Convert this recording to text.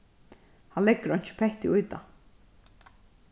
hann leggur einki petti í tað